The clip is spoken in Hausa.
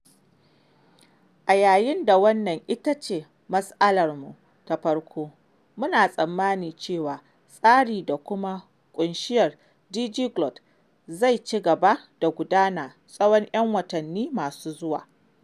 A yayin da wannan ita ce mas'alarmu ta farko, muna tsammanin cewa tsarin da kuma ƙunshiyar DigiGlot zai ci gaba da gudana tsawon 'yan watanni masu zuwa.